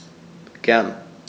Gern.